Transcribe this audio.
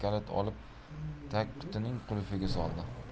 kalit olib tagqutining qulfiga soldi